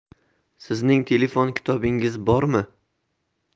sizning telefon kitobingiz bormi